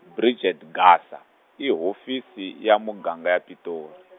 Bridget Gasa, i hofisi ya muganga ya Pitori.